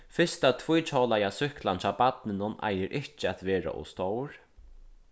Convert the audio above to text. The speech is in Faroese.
fyrsta tvíhjólaða súkklan hjá barninum eigur ikki at vera ov stór